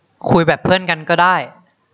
คุยแบบเพื่อนกันก็ได้